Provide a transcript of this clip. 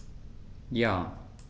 Ja.